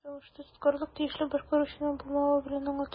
Тоткарлык тиешле башкаручының булмавы белән аңлатыла иде.